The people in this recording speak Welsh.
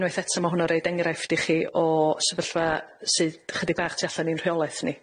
Unwaith eto ma' hwnna'n roid enghraifft i chi o sefyllfa sydd 'chydig bach tu allan i'n rheolaeth ni.